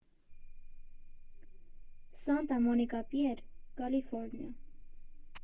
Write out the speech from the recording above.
Սանտա Մոնիկա պիեր, Կալիֆորնիա։